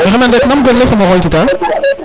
maxey men rek nam gonle fo mamo xooy tita